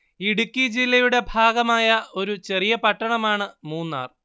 ഇടുക്കി ജില്ലയുടെ ഭാഗമായ ഒരു ചെറിയ പട്ടണമാണ് മൂന്നാർ